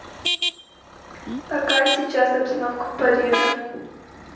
какая сейчас обстановка в париже